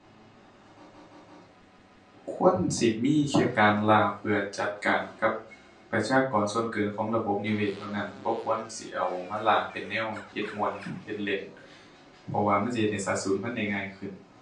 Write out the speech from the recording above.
ควรสิมีแค่การล่าเพื่อจัดการกับประชากรส่วนเกินของระบบนิเวศเท่านั้น บ่ควรสิเอามาล่าเป็นแนวเฮ็ดม่วนเฮ็ดเล่น เพราะว่ามันสิเฮ็ดให้สัตว์สูญพันธุ์ได้ง่ายขึ้น